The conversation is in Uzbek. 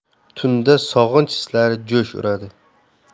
tunda sog'inch hislari jo'sh uradi